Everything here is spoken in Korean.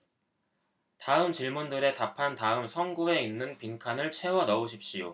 다음 질문들에 답한 다음 성구에 있는 빈칸을 채워 넣으십시오